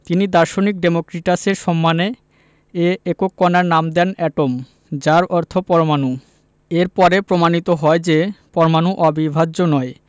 তিনি দার্শনিক ডেমোক্রিটাসের সম্মানে এ একক কণার নাম দেন এটম যার অর্থ পরমাণু এর পরে প্রমাণিত হয় যে পরমাণু অবিভাজ্য নয়